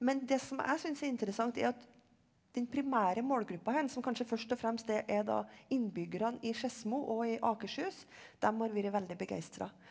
men det som jeg synes er interessant er at den primære målgruppa her som kanskje først og fremst er da innbyggerne i Skedsmo og i Akershus, dem har vært veldig begeistra.